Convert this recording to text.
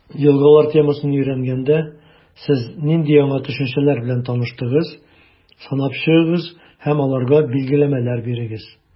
«елгалар» темасын өйрәнгәндә, сез нинди яңа төшенчәләр белән таныштыгыз, санап чыгыгыз һәм аларга билгеләмәләр бирегез.